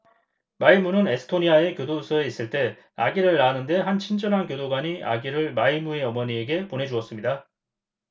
마이무는 에스토니아의 교도소에 있을 때 아기를 낳았는데 한 친절한 교도관이 아기를 마이무의 어머니에게 보내 주었습니다